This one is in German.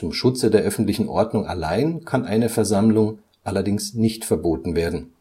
Schutze der öffentlichen Ordnung allein kann eine Versammlung allerdings nicht verboten werden